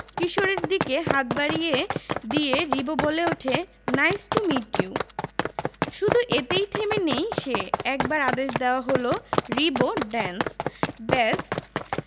কিশোরের দিকে হাত বাড়িয়ে দিয়ে রিবো বলে উঠে নাইস টু মিট ইউ শুধু এতেই থেমে নেই সে একবার আদেশ দেওয়া হলো রিবো ড্যান্স ব্যাস